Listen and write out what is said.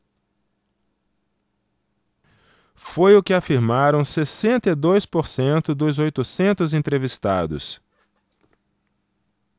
foi o que afirmaram sessenta e dois por cento dos oitocentos entrevistados